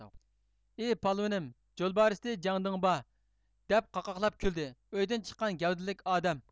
ئى پالۋىنىم جولبارىستى جەڭدىڭبا دەپ قاقاقلاپ كۈلدى ئۆيدىن چىققان گەۋدىلىك ئادەم